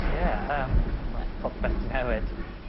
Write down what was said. Ie yym. Ma' popeth 'di newid.